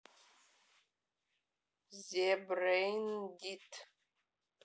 зе брейн дит